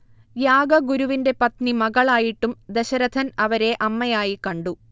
യാഗ ഗുരുവിന്റെ പത്നി മകളായിട്ടും ദശരഥൻ അവരെ അമ്മയായി കണ്ടു